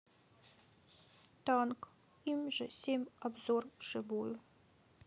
танк иж семь обзор в живую